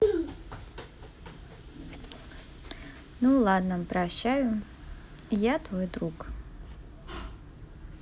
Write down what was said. ну ладно прощаю я твой друг